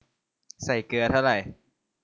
ใส่เกลือเท่าไร